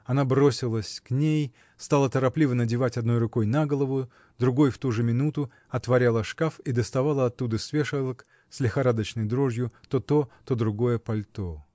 Она бросилась к ней, стала торопливо надевать одной рукой на голову, другой в ту же минуту отворяла шкаф и доставала оттуда с вешалок, с лихорадочной дрожью, то то, то другое пальто.